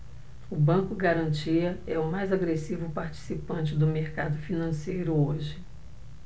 o banco garantia é o mais agressivo participante do mercado financeiro hoje